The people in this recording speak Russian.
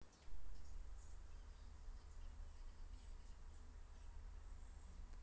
но как сделать так дела